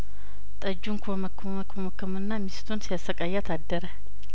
ጠጁን ኰመኰመ ኰመኰመና ሚስቱን ሲያሰቃያት አደረ